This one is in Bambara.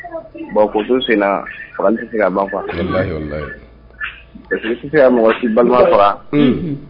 Bon Ko sen na fagali ti se ka ban quoi . A te se ka ban walaye. Parceque i ti se ka mɔgɔ si balima faga